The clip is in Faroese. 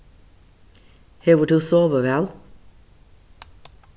hevur tú sovið væl